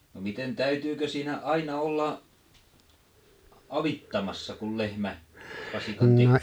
no miten täytyykö siinä aina olla auttamassa kun lehmä vasikan -